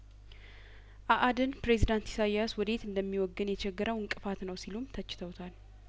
አአድን ፕሬዝዳንት ኢሳያስ ወዴት እንደሚወግን የቸገረው እንቅፋት ነው ሲሉም ተችተውታል